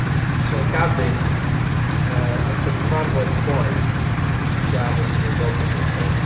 so Gavin yy nath o cyfarfod boi sy isio aros yn anonymous iawn